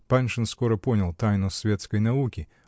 Паншин скоро понял тайну светской науки